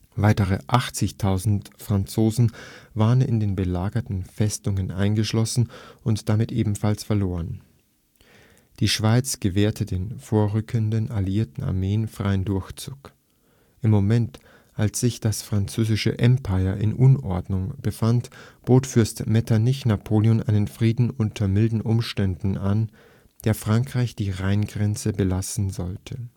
Weitere 80.000 Franzosen waren in den belagerten Festungen eingeschlossen und damit ebenfalls verloren. Die Schweiz gewährte den vorrückenden alliierten Armeen freien Durchzug. In dem Moment, als sich das französische „ Empire “in Unordnung befand, bot Fürst Metternich Napoleon einen Frieden unter milden Umständen an, der Frankreich die Rheingrenze belassen sollte